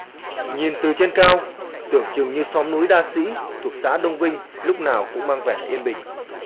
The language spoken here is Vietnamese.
nhìn từ trên cao tưởng chừng như xóm núi đa sĩ thuộc xã đông vinh lúc nào cũng mang vẻ yên bình